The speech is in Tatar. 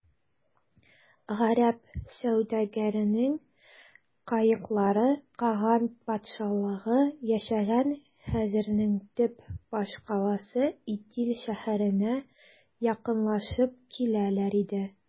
Гарәп сәүдәгәренең каеклары каган патшалыгы яшәгән хәзәрнең төп башкаласы Итил шәһәренә якынлашып киләләр иде.